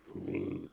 niin